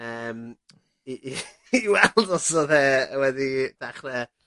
yym i i i weld os odd e wedi dachre